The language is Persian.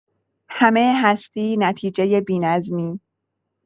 همه هستی نتیجه بی‌نظمی